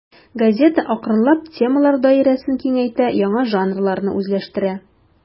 Газета акрынлап темалар даирәсен киңәйтә, яңа жанрларны үзләштерә.